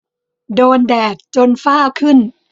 โดนแดดจนฝ้าขึ้น